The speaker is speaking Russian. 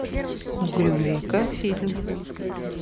угрюм река фильм